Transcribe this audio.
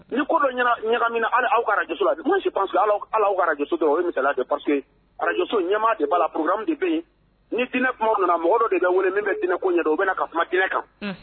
Ni ko dɔ ɲaga ɲagamina hali aw ka radio so la, moi, je pense que hali aw ka radio so dɔw o ye misaliya de ye Parce que radio so, ɲɛmaa de b'a la programme de bɛ yen. Ni dinɛ kumaw nana, mɔgɔ dɔw de bɛ wele, min bɛ dinɛko ɲɛdɔn o bɛna ka kuma dinɛ kan. Unhun.